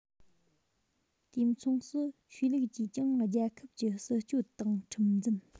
དུས མཚུངས སུ ཆོས ལུགས ཀྱིས ཀྱང རྒྱལ ཁབ ཀྱི སྲིད སྤྱོད དང ཁྲིམས འཛིན